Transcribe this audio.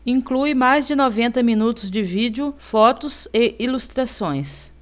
inclui mais de noventa minutos de vídeo fotos e ilustrações